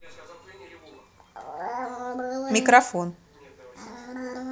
микрофон